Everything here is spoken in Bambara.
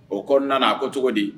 Ɔ kɔnɔna na a ko cogo di?